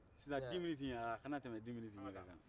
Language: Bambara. sisan dix miniti in a kana tɛmɛ dix miniti in kan